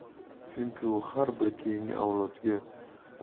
chunki u har bir keyingi avlodga